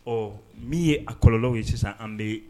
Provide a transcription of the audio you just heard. Ɔ min ye a kɔlɔlɔw ye sisan an bɛ ye